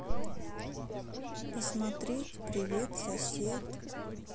посмотреть привет сосед